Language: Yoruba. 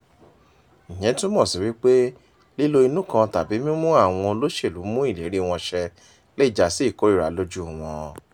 Ìyẹn túmọ̀ sí wípé lílo inú kan tàbí mímú àwọn olóṣèlúu mú ìléríi wọn ṣe lè já sí ìkórìíra lójúu wọn.